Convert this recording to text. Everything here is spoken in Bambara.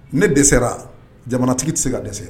Ne dɛsɛra jamana tigi tɛ se ka dɛsɛse